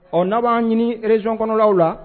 Ɔ na b'an ɲini rezsonɔnlaw la